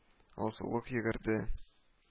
Алсулык йөгерде